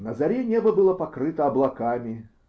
*** На заре небо было покрыто облаками.